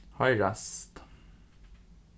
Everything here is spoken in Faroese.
hoyrast